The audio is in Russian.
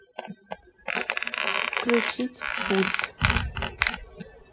включить пульт